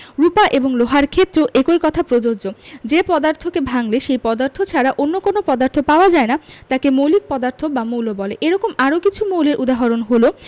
রুপা এবং লোহার ক্ষেত্রেও একই কথা প্রযোজ্য যে পদার্থকে ভাঙলে সেই পদার্থ ছাড়া অন্য কোনো পদার্থ পাওয়া যায় না তাকে মৌলিক পদার্থ বা মৌল বলে এরকম আরও কিছু মৌলের উদাহরণ হলো